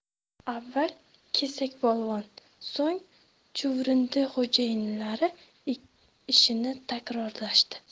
avval kesakpolvon so'ng chuvrindi xo'jayinlari ishini takrorlashdi